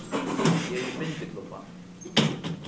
eg eri í bindiklubba